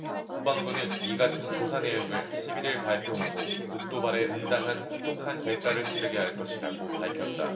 국방부는 이 같은 조사내용을 십 일 발표하고 북 도발에 응당한 혹독한 대가를 치르게 할 것이라고 밝혔다